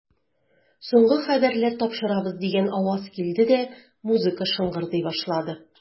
Соңгы хәбәрләр тапшырабыз, дигән аваз килде дә, музыка шыңгырдый башлады.